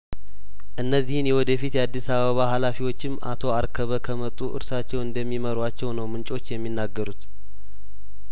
እነዚህን የወደፊት የአዲስ አበባ ሀላፊዎችም አቶ አርከበ ከመጡ እርሳቸው እንደሚመሩዋቸው ነው ምንጮች የሚናገሩት